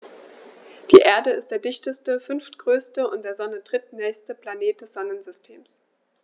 Die Erde ist der dichteste, fünftgrößte und der Sonne drittnächste Planet des Sonnensystems.